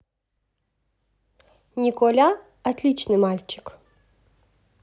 николя отличный мальчик